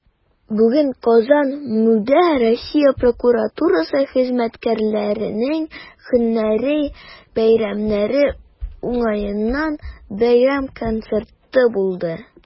Бүген "Казан" ММҮдә Россия прокуратурасы хезмәткәрләренең һөнәри бәйрәмнәре уңаеннан бәйрәм концерты булды.